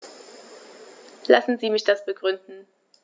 Lassen Sie mich das begründen.